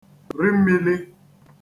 ri mmīlī